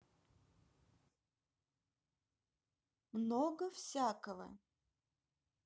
много всякого